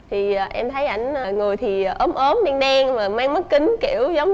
thì em thấy ảnh người thì ốm ốm đen đen và mang mắt kính kiểu giống